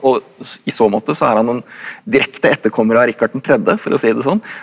og i så måte så er han en direkte etterkommer av Rikard den tredje for å si det sånn.